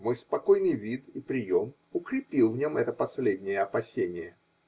Мой спокойный вид и прием укрепил в нем это последнее опасение.